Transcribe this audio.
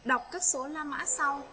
đọc các số la mã sau